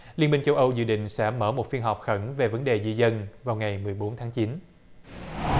liên minh châu âu dự định sẽ mở một phiên họp khẩn về vấn đề di dân vào ngày mười bốn tháng chín